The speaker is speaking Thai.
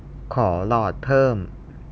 ขอหลอดเพิ่ม